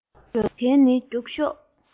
འགྲོགས མཁན ནི རྒྱུགས ཤོག